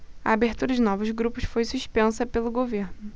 a abertura de novos grupos foi suspensa pelo governo